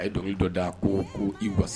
A ye dɔnkili dɔ da koo ko i was